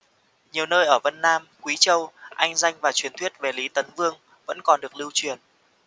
nhiều nơi ở vân nam quý châu anh danh và truyền thuyết về lý tấn vương vẫn còn được lưu truyền